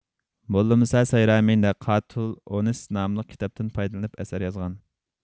موللا مۇسا سايرامى نەفھاتۇلئۇنىس ناملىق كىتابتىن پايدىلىنىپ ئەسەر يازغان